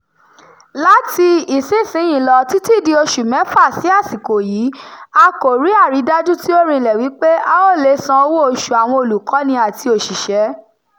Láti ìsinsìnyí lọ títí di oṣù mẹ́fà sí àsìkò yìí, a kò rí àrídájú tí ó rinlẹ̀ wípé a ó leè san owó oṣù àwọn olùkọ́ni àti òṣìṣẹ́ẹ".